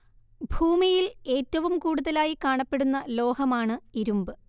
ഭൂമിയിൽ ഏറ്റവും കൂടുതലായി കാണപ്പെടുന്ന ലോഹമാണ് ഇരുമ്പ്